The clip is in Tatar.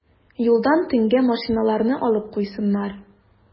Юлдан төнгә машиналарны алып куйсыннар.